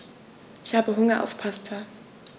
Ich habe Hunger auf Pasta.